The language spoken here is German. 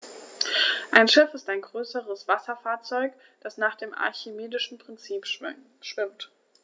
Ein Schiff ist ein größeres Wasserfahrzeug, das nach dem archimedischen Prinzip schwimmt.